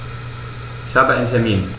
Ich habe einen Termin.